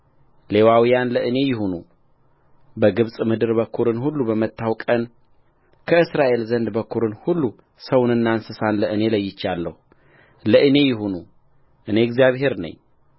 ሌዋውያን ለእኔ ይሁኑ በግብፅ ምድር በኵርን ሁሉ በመታሁ ቀን ከእስራኤል ዘንድ በኵርን ሁሉ ሰውንና እንስሳን ለእኔ ለይቼአለሁ ለእኔ ይሁኑ እኔ እግዚአብሔር ነኝ